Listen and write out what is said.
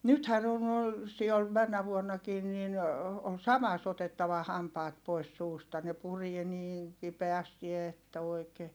nythän on noilla sioilla menneenä vuonnakin niin oli samassa otettava hampaat pois suusta ne puree niin kipeästi että oikein